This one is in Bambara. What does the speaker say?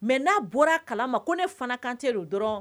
Mɛ n'a bɔra a kala ma ko ne fana kante dɔrɔn